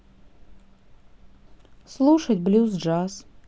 слушать блюз джаз